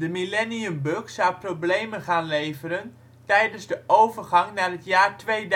millenniumbug zou problemen gaan leveren tijdens de overgang naar het jaar 2000